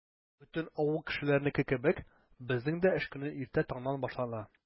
Бөтен авыл кешеләренеке кебек, безнең дә эш көне иртә таңнан башлана.